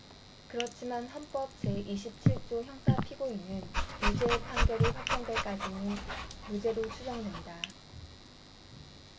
그렇지만 헌법 제 이십 칠 조 형사피고인은 유죄의 판결이 확정될 때까지는 무죄로 추정된다